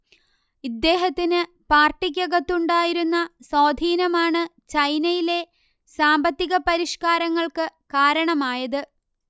ഇദ്ദേഹത്തിന് പാർട്ടിക്കകത്തുണ്ടായിരുന്ന സ്വാധീനമാണ് ചൈനയിലെ സാമ്പത്തിക പരിഷ്കാരങ്ങൾക്ക് കാരണമായത്